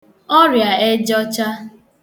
ọrịàejaọcha